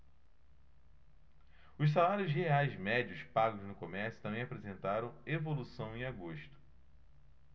os salários reais médios pagos no comércio também apresentaram evolução em agosto